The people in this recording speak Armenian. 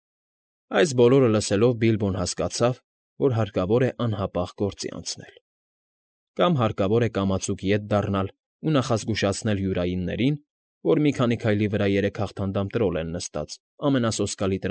Այս բոլորը լսելով՝ Բիլբոն հասկացավ, որ հարկավոր է անհապաղ գործի անցնել. Կամ հարկավոր է կամացուկ ետ դառնալ ու նախազգուշացնել յուրայիններին, որ մի քանի քայլի վրա երեք հաղթանդամ տրոլ են նստած ամենասոսկալի։